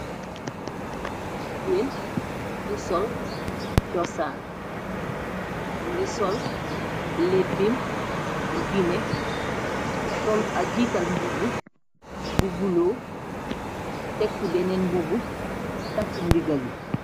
Jiggéen bu sol choosaan mungi sol léppim bu guinea sol ak jiital mbubu buloo tegci beneen mbobu takk ndiga bi.